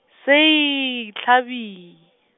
sehlabi.